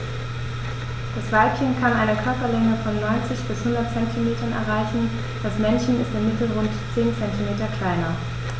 Das Weibchen kann eine Körperlänge von 90-100 cm erreichen; das Männchen ist im Mittel rund 10 cm kleiner.